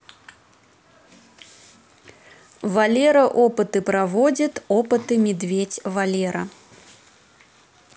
валера опыты проводит опыты медведь валера